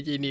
waaw